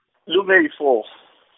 lungeyi- four.